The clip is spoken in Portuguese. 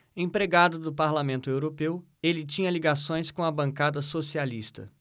empregado do parlamento europeu ele tinha ligações com a bancada socialista